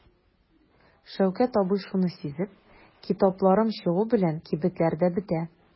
Шәүкәт абый шуны сизеп: "Китапларым чыгу белән кибетләрдә бетә".